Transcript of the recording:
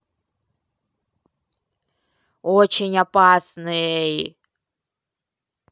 очень опасный